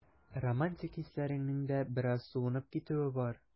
Романтик хисләреңнең дә бераз суынып китүе бар.